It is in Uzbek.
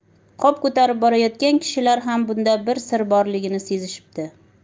qop ko'tarib borayotgan kishilar ham bunda bir sir borligini sezishibdi